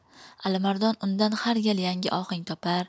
alimardon undan har gal yangi ohang topar